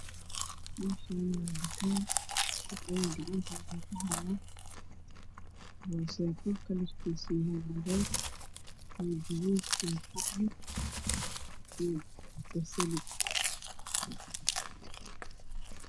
Meeshaani waa tukaan qof ayaa gacanta ku hayo rooseto kalarkisa yahay cadays iyo qaxwi basali